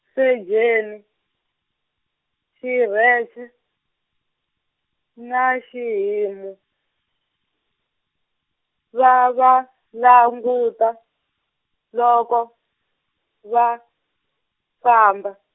sejeni, Xirheche, na Xihimu, va va languta, loko, va, famba.